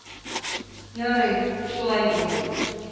Ярый, шулай булыр.